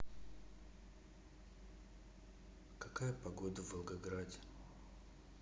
какая погода в волгограде